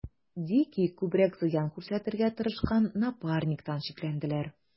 Дикий күбрәк зыян күрсәтергә тырышкан Напарниктан шикләнделәр.